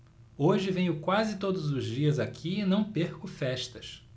hoje venho quase todos os dias aqui e não perco festas